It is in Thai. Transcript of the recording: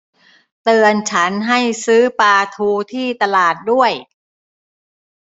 เตือนฉันให้ซื้อปลาทูที่ตลาดด้วย